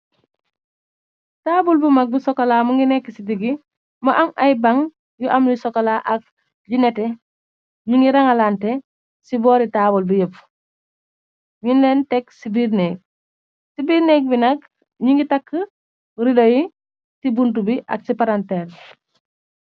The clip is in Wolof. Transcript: Taabl bu mag bu sokola mu ngi nekk ci diggi mu am ay bang yu am lu sokola ak yi nete ñi ngi rangalante ci boori taabl bi yépp. Ñung leen tekk ci biir néeg. Ci biir négg bi nag ñi ngi tàkk rido yi ci buntu bi ak ci paranteer.